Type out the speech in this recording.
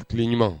Tileɲuman